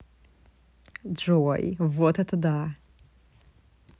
джой вот это да